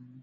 midow